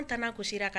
An t' ko si kan